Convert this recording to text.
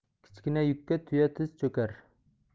kichkina yukka tuya tiz cho'kar